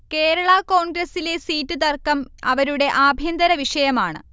കേരള കോണ്ഗ്രസിലെ സീറ്റ് തര്ക്കം അവരുടെ ആഭ്യന്തര വിഷയമാണ്